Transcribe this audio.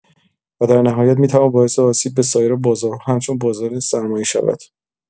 و در نهایت می‌تواند باعث آسیب به سایر بازارها همچون بازار سرمایه شود.